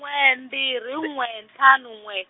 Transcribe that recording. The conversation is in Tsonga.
n'we mbirhi n'we ntlhanu n'we.